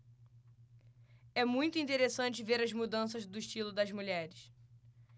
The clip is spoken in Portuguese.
é muito interessante ver as mudanças do estilo das mulheres